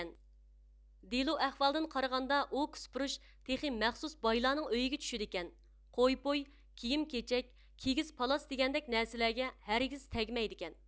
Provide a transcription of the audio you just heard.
دېلو ئەھۋالىدىن قارىغاندا ئۇ كۇسپۇرۇچ تېخى مەخسۇس بايلارنىڭ ئۆيىگە چۈشىدىكەن قوي پوي كىيىم كېچەك كىگىز پالاس دېگەندەك نەرسىلەرگە ھەرگىز تەگمەيدىكەن